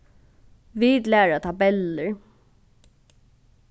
vit læra tabellir